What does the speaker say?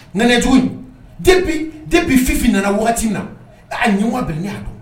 Ŋaniyajugu in depuis depuis Fifi nana wagati in na ɛ a ɲɛŋoya bɛɛ la ne y'a dɔn